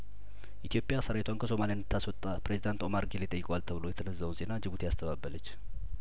ኢትዮጵያ ሰራዊቷን ከሶማሊያ እንድታስወጣ ፕሬዝዳንት ኦማር ጊሌ ጠይቀዋል ተብሎ የተነዛውን ዜና ጅቡቲ አስተባበለች